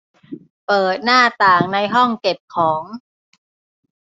เปิดหน้าต่างในห้องเก็บของ